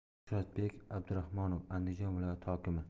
shuhratbek abdurahmonov andijon viloyati hokimi